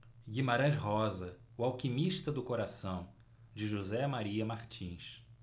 guimarães rosa o alquimista do coração de josé maria martins